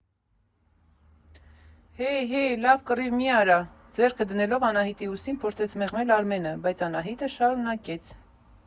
֊ Հեյ, հեյ, լավ, կռիվ մի արա, ֊ ձեռքը դնելով Անահիտի ուսին փորձեց մեղմել Արմենը, բայց Անահիտը շարունակեց։